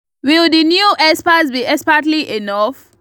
Will the new experts be expertly enough?